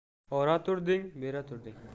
ora turding bera turding